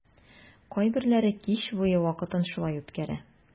Кайберләре кич буе вакытын шулай үткәрә.